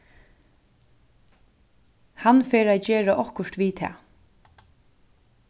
hann fer at gera okkurt við tað